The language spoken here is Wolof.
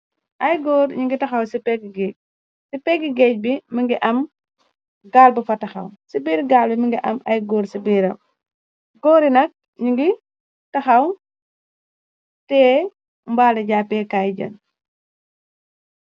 Ay góor ñu ngi taxaw ci pegg géej, si pegg geej bi mi ngi am gaal bu fa taxaw, ci biir gaal bi mi ngi am ay góor ci biiram, góori nak ñu ngi taxaw tée mbaal li jàppe kaay jën.